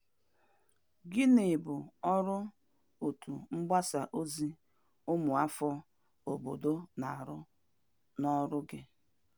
Gịnị bụ ọrụ otú mgbasa ozi ụmụafọ obodo na-arụ n'oru gị?